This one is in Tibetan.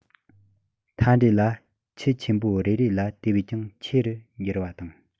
མཐའ འབྲས ལ ཁྱུ ཆེན པོ རེ རེ ལ དེ བས ཀྱང ཆེ རུ འགྱུར བ དང